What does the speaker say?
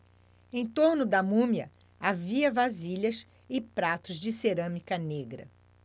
em torno da múmia havia vasilhas e pratos de cerâmica negra